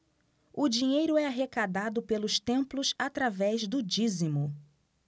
o dinheiro é arrecadado pelos templos através do dízimo